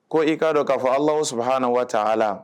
Ko i k'a don k'a fɔ awaw su h na waa taa a la